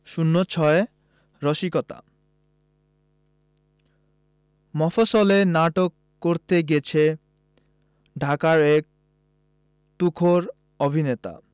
০৬ রসিকতা মফশ্বলে নাটক করতে গেছে ঢাকার এক তুখোর অভিনেতা